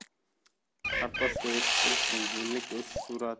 kartoshka yetishtirishning yillik o'sish